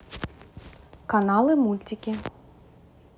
каналы мультики